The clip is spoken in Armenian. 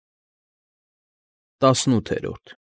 ՏԱՍՆՈՒԹԵՐՈՐԴ։